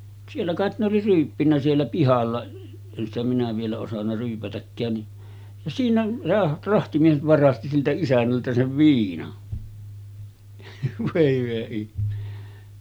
siellä kai ne oli ryyppinyt siellä pihalla en sitä minä vielä osannut ryypätäkään niin ja siinä se rahtimies varasti siltä isännältä sen viinan voi hyvä ihme